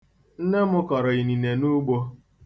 Nne m kọrọ inine n'ugbo.